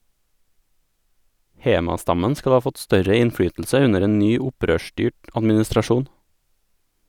Hema-stammen skal ha fått større innflytelse under en ny opprørsstyrt administrasjon.